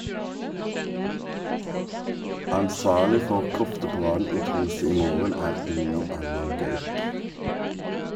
Ansvarlig for kofteparaden i Tromsø i morgen er Inger Anne Gaup.